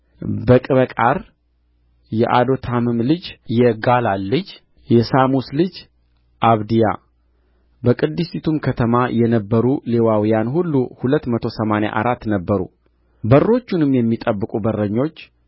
በቅበቃር የኤዶታምም ልጅ የጋላል ልጅ የሳሙስ ልጅ አብድያ በቅድስቲቱ ከተማ የነበሩ ሌዋውያን ሁሉ ሁለት መቶ ሰማንያ አራት ነበሩ በሮቹንም የሚጠብቁ በረኞቹ